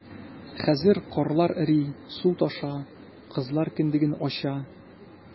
Хәзер карлар эри, су таша - кызлар кендеген ача...